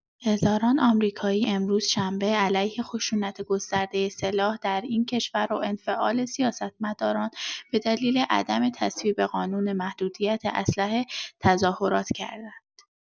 هزاران آمریکایی امروز شنبه علیه خشونت گسترده سلاح در این کشور و انفعال سیاستمداران به‌دلیل عدم تصویب قانون محدودیت اسلحه تظاهرات کردند.